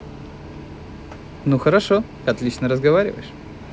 ну хорошо отлично разговариваешь